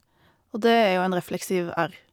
Og det er jo en refleksiv r.